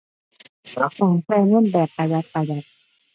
ต้องใช้เงินแบบประหยัดประหยัด